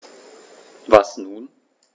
Was nun?